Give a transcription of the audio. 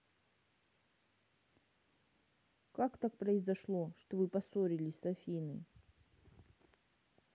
как так произошло что вы поссорились с афиной